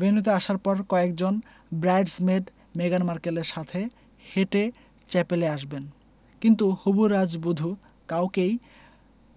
ভেন্যুতে আসার পর কয়েকজন ব্রাইডস মেড মেগান মার্কেলের সাথে হেঁটে চ্যাপেলে আসবেন কিন্তু হবু রাজবধূ কাউকেই